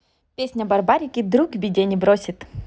песня барбарики друг в беде не бросит